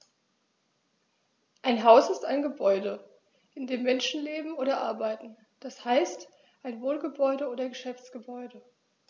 Ein Haus ist ein Gebäude, in dem Menschen leben oder arbeiten, d. h. ein Wohngebäude oder Geschäftsgebäude.